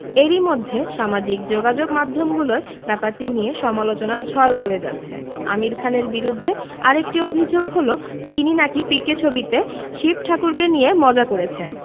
এরই মধ্যে সামাজিক যোগাযোগমাধ্যমগুলোয় ব্যাপারটি নিয়ে সমালোচনার ঝড় বয়ে যাচ্ছে আমির খানের বিরুদ্ধে আরেকটি অভিযোগ হলো তিনি নাকি পিকে ছবিতে শিব ঠাকুরকে নিয়ে মজা করেছেন